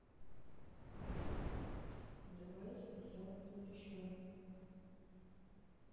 давай я включу